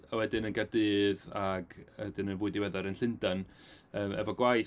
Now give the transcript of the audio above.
A wedyn yn Gaerdydd, ac wedyn yn fwy diweddar yn Llundain yy efo gwaith.